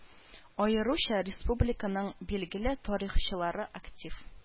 Аеруча республиканың билгеле тарихчылары актив